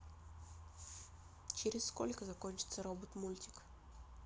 через сколько закончится робот мультик